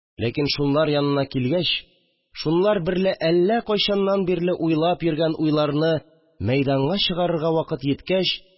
Ләкин шулар янына килгәч, шулар берлә әллә кайчаннан бирле уйлап йөргән уйларны мәйданга чыгарырга вакыт йиткәч